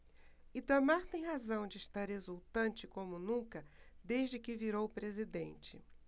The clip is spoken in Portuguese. itamar tem razão de estar exultante como nunca desde que virou presidente